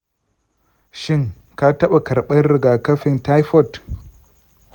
shin ka taba karban rigakafin taifoid?